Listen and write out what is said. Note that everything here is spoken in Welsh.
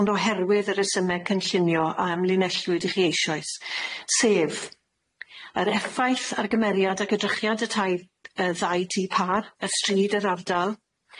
ond oherwydd y resyme cynllunio a amlinellwyd i chi eisoes, sef: yr effaith ar gymeriad ac edrychiad y tai- yy ddau tŷ pâr, y stryd, yr ardal,